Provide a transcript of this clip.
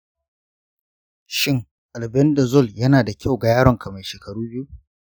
shin albendazole yana da kyau ga yaronka mai shekaru biyu?